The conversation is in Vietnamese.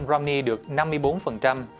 răm ni được năm mươi bốn phần trăm